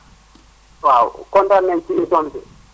waaw kontaan nañu si émission bi de